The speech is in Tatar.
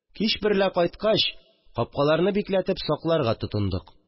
Кич берлә кайткач, капкаларны бикләтеп, сакларга тотындык